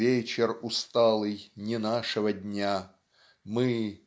вечер усталый не нашего дня, Мы